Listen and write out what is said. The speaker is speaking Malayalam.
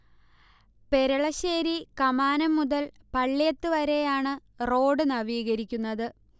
പെരളശ്ശേരി കമാനം മുതൽ പള്ള്യത്ത് വരെയാണ് റോഡ് നവീകരിക്കുന്നത്